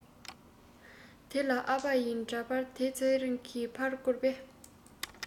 དེ ལས ཨ ཕ ཡི འདྲ པར དེ ཚེ རིང གི ཕར བསྐུར པ